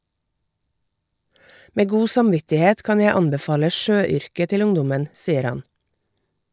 - Med god samvittighet kan jeg anbefale sjøyrket til ungdommen, sier han..